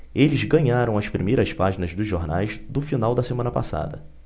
eles ganharam as primeiras páginas dos jornais do final da semana passada